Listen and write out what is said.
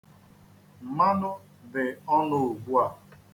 Mmanụ dị ọnụ ugbu a.